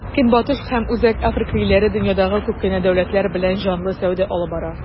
Көнбатыш һәм Үзәк Африка илләре дөньядагы күп кенә дәүләтләр белән җанлы сәүдә алып бара.